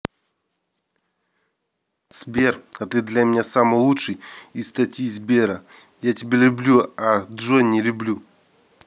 сбер а ты для меня самый лучший из статьи сбера я тебя люблю а джой не люблю